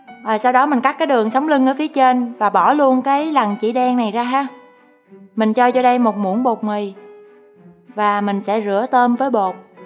rồi sau đó mình cái đường sống lưng ở phía trên và bỏ luôn cái lằn chỉ đen này ra ha mình cho vô đây một muỗng bột mì và mình sẽ rửa tôm với bột